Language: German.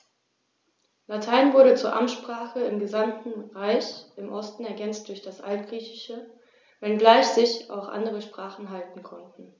Latein wurde zur Amtssprache im gesamten Reich (im Osten ergänzt durch das Altgriechische), wenngleich sich auch andere Sprachen halten konnten.